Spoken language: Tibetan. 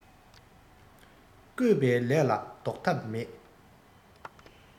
བསྐོས པའི ལས ལ ཟློག ཐབས མེད